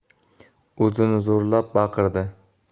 o'zini zo'rlab baqirdi